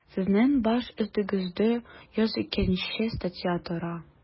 Сезнең баш өстегездә 102 нче статья тора.